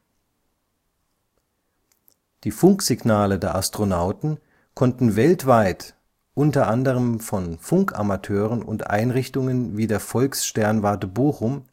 Die Funksignale der Astronauten konnten weltweit (unter anderem von Funkamateuren und Einrichtungen wie der Volkssternwarte Bochum